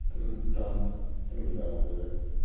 Pam? Dyn nhw ddim yn ddel, nadi.